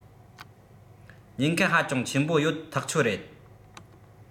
ཉེན ཁ ཧ ཅང ཆེན པོ ཡོད ཐག ཆོད རེད